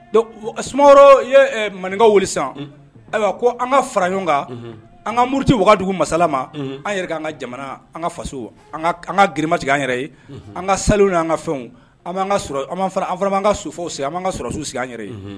Don sumaworo ye maninkaw wuli san ayiwa ko an ka fara ɲɔgɔn an ka muruuruti wagadugu masala ma an yɛrɛ an ka jamana an ka faso an ka grinma tigɛ an yɛrɛ ye an ka sa ni an ka fɛnw an ka sɔrɔ an anan ka sofow sigi anan ka sɔrɔ su sigi an yɛrɛ